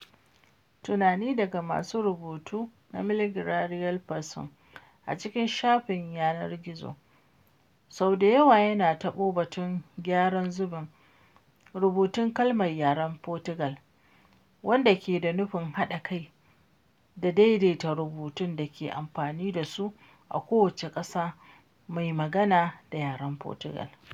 Tunani daga masu karatu na Milagrário Pessoal a cikin shafin yanar gizo, sau da yawa yana taɓo batun gyaran zubin rubutun kalmar yaren Fotugal, wanda ke da nufin haɗa kai da daidaita rubutun da ake amfani da su a kowace ƙasa mai magana da Yaren Fotugal.